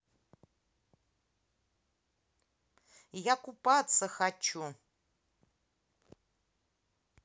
я купаться хочу